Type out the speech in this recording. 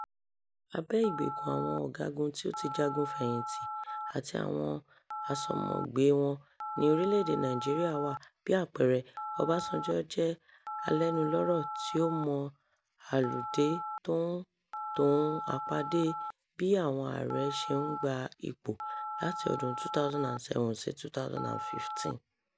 Abẹ ìgbèkùn àwọn ọ̀gágun tí ó ti jagun fẹ̀yìntì àti àwọn asọ́mogbée wọn ni orílẹ̀-èdè Nàìjíríà wà. Bí àpẹẹrẹ, Ọbásanjọ́ jẹ́ alẹ́nulọ́rọ̀ tí ó mọ àludé tòun àpadé bí àwọn Ààrẹ ṣe ń gba ipò láti ọdún 2007 sí 2015.